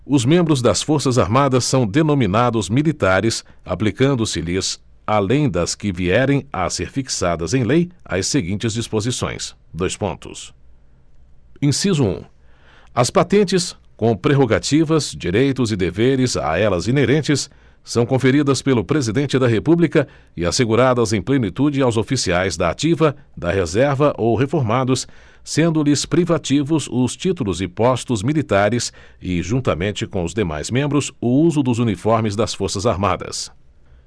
os membros das forças armadas são denominados militares aplicando se lhes além das que vierem a ser fixadas em lei as seguintes disposições dois pontos inciso um as patentes com prerrogativas direitos e deveres a elas inerentes são conferidas pelo presidente da república e asseguradas em plenitude aos oficiais da ativa da reserva ou reformados sendo lhes privativos os títulos e postos militares e juntamente com os demais membros o uso dos uniformes das forças armadas